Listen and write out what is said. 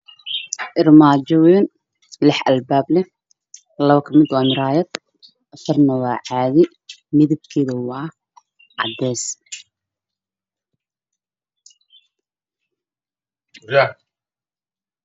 Armaajo weyn lix albaab leh